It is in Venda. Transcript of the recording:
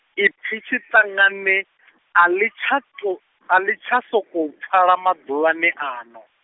ipfi tshiṱangani, a ḽi tsha tou, aḽi tsha sokou pfala maḓuvhani ano.